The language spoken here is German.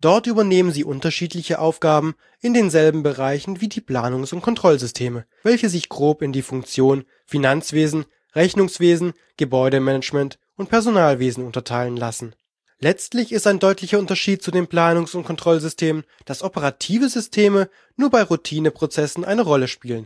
Dort übernehmen sie unterschiedliche Aufgaben in denselben Bereichen wie die Planungs - und Kontrollsysteme, welche sich grob in die Funktionen Finanzwesen, Rechnungswesen, Gebäudemanagement und Personalwesen unterteilen lassen. Letztlich ist ein deutlicher Unterschied zu den Planungs - und Kontrollsystemen, dass operative Systeme nur bei Routine-Prozessen eine Rolle spielen